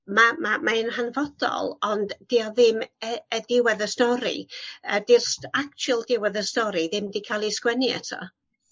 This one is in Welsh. ma' ma' mae yn hanfodol ond 'di e ddim yy y ddiwedd y stori a 'di'r st- actual diwedd y stori ddim 'di ca'l 'i sgwennu eto.